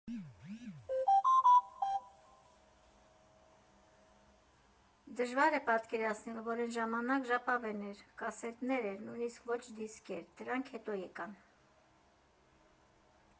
Դժվար է պատկերացնել, որ էն ժամանակ ժապավեն էր, կասետներ էր, նույնիսկ ոչ դիսկեր, դրանք հետո եկան։